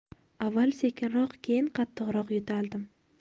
avval sekinroq keyin qattiqroq yo'taldim